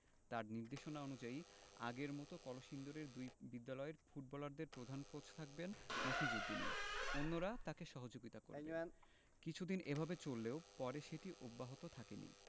তাঁর নির্দেশনা অনুযায়ী আগের মতো কলসিন্দুরের দুই বিদ্যালয়ের ফুটবলারদের প্রধান কোচ থাকবেন মফিজ উদ্দিনই অন্যরা তাঁকে সহযোগিতা করবেন কিছুদিন এভাবে চললেও পরে সেটি অব্যাহত থাকেনি